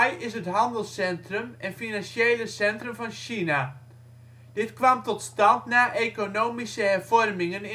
is het handelscentrum en financiële centrum van China. Dit kwam tot stand na economische hervormingen